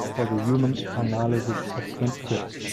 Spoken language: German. Human Analysis of Transcripts